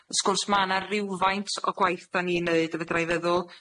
Wrs gwrs ma' 'na rywfaint o gwaith 'dan ni'n neud a fedra i feddwl